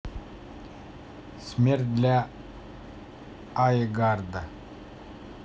смерть для азгарда